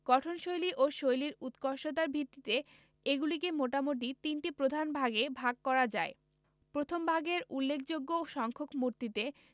গঠনশৈলী ও শৈল্পিক উৎকর্ষতার ভিত্তিতে এগুলিকে মোটামোটি তিনটি প্রধান ভাগে ভাগ করা যায় প্রথম ভাগের উল্লেখযোগ্য সংখ্যক মূর্তিতে